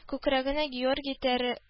Күкрәгенә Георгий тәрә